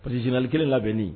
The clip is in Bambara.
Parisinali kelen labɛnnen